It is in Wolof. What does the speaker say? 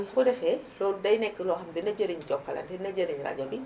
su ko defee loolu day nekk lmoo xam ne dina jariñ jokalante dina jariñ rajo bi